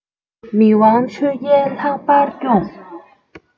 མི དབང ཆོས རྒྱལ ལྷག པར སྐྱོང